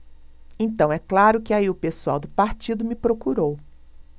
então é claro que aí o pessoal do partido me procurou